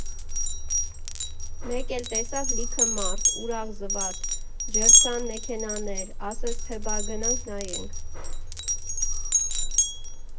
Մեկ էլ տեսավ լիքը մարդ, ուրախ֊զվարթ, ջրցան մեքենաներ, ասեց, թե բա՝ գնանք նայենք։